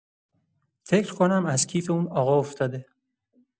فکر کنم از کیف اون آقا افتاده.